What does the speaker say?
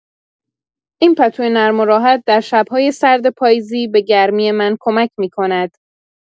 این پتو نرم و راحت در شب‌های سرد پاییزی به گرمی من کمک می‌کند.